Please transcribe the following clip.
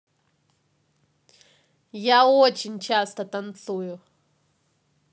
я очень часто танцую